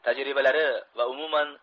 tajribalari va umuman